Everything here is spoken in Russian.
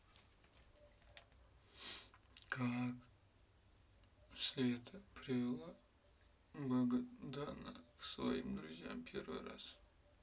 как света привела богдана к своим друзьям первый раз